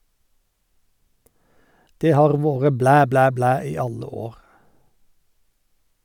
Det har vore blæ, blæ, blæ i alle år.